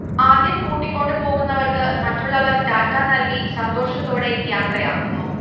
ആദ്യം കൂട്ടിക്കൊണ്ടുപോകുന്നവർക്കു മറ്റുള്ളവർ ടാറ്റാ നൽകി സന്തോഷത്തോടെ യാത്രയാക്കുന്നു